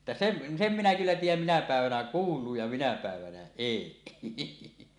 että sen sen minä kyllä tiedän minä päivänä kuuluu ja minä päivänä ei